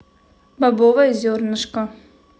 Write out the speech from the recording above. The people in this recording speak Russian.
бобовое зернышко